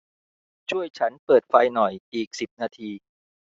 ช่วยฉันเปิดไฟหน่อยอีกสิบนาที